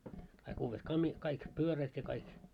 kaikki uudet - kaikki pyörät ja kaikki